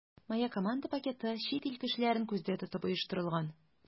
“моя команда” пакеты чит ил кешеләрен күздә тотып оештырылган.